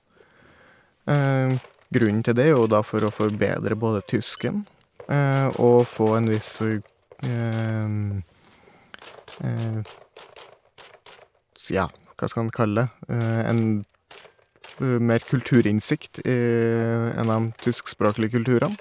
Grunnen til det er jo da for å forbedre både tysken og få en viss, ja, hva skal en kalle det, en mer kulturinnsikt i en av dem tyskspråklige kulturene.